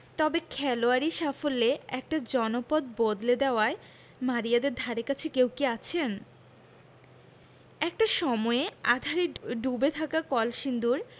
তবে খেলোয়াড়ি সাফল্যে একটা জনপদ বদলে দেওয়ায় মারিয়াদের ধারেকাছে কেউ কি আছেন একটা সময়ে আঁধারে ডুবে থাকা কলসিন্দুর